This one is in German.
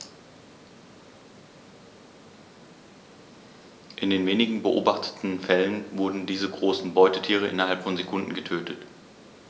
In den wenigen beobachteten Fällen wurden diese großen Beutetiere innerhalb von Sekunden getötet.